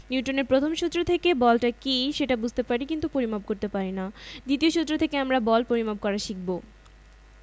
আসলে নিউটনের প্রথম সূত্রটাই বলের সংজ্ঞা হতে পারে যার প্রয়োগের কারণে স্থির বস্তু চলতে শুরু করে আর সমবেগে চলতে থাকা বস্তুর বেগের পরিবর্তন হয় সেটাই হচ্ছে বল